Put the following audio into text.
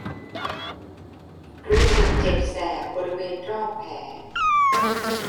รู้สึกเจ็บแสบบริเวณรอบแผล